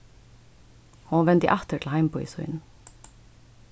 hon vendi aftur til heimbý sín